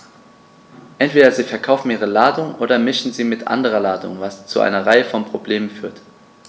Entweder sie verkaufen ihre Ladung oder mischen sie mit anderer Ladung, was zu einer Reihe von Problemen führt.